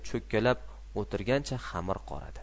cho'kkalab o'tyrgancha xamir qoradi